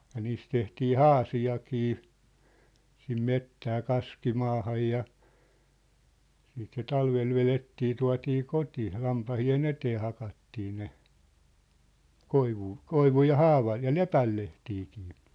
ja niistä tehtiin haasiakin sinne metsään kaskimaahan ja siitä se talvella vedettiin tuotiin koti lampaiden eteen hakattiin ne koivua koivun ja haavan ja lepän lehtiäkin